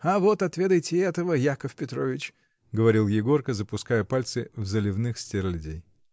— А вот отведайте этого, Яков Петрович, — говорил Егорка, запуская пальцы в заливных стерлядей.